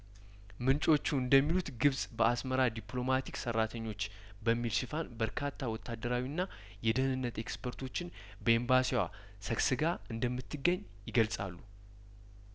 ምንጮቹ እንደሚሉት ግብጽ በአስመራ ዲፕሎማቲክ ሰራተኞች በሚል ሽፋን በርካታ ወታደራዊና የደህንነት ኤክስፐርቶችን በኤምባሲዋ ሰግስጋ እንደምትገኝ ይገልጻሉ